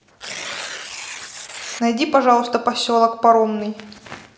найди пожалуйста поселок паромный